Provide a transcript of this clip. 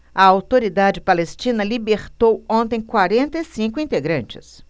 a autoridade palestina libertou ontem quarenta e cinco integrantes